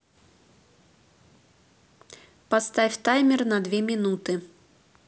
поставь таймер на две минуты